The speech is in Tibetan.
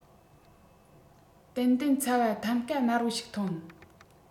ཏན ཏན ཚ བ ཐམ ཀ དམར པོ ཞིག ཐོན